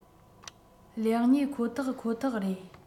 ལེགས ཉེས ཁོ ཐག ཁོ ཐག རེད